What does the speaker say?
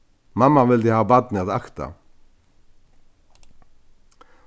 mamman vildi hava barnið at akta